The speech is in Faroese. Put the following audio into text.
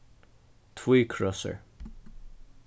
tvíkrossur